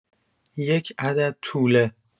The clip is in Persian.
یک عدد توله